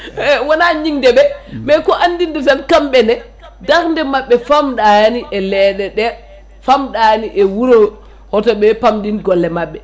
e wona ñingdeɓe mais o andinde tan kamɓene darde mabɓe famɗani e leeɗe ɗe famɗani e wuuro hoto ɓe pamɗin golle mabɓe